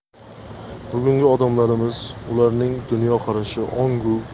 bugungi odamlarimiz ularning dunyoqarashi ongu